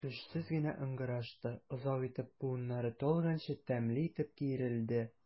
Көчсез генә ыңгырашты, озак итеп, буыннары талганчы тәмле итеп киерелде.